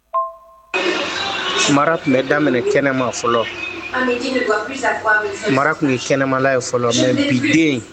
Mara tun bɛ daminɛ kɛnɛma fɔlɔ mara tun kɛnɛmala ye fɔlɔ mɛ bi den